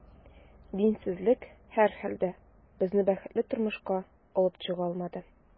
Динсезлек, һәрхәлдә, безне бәхетле тормышка алып чыга алмады.